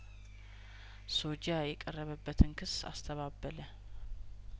ሶጂያ የቀረበበትን ክስ አስተባበለ